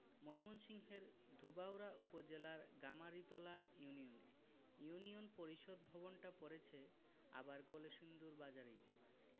ময়মনসিংহের ধোবাউড়া উপজেলার গামারিতলা ইউনিয়নে ইউনিয়ন পরিষদ ভবনটা পড়েছে আবার কলসিন্দুর বাজারেই